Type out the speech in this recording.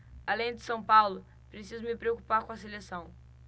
além do são paulo preciso me preocupar com a seleção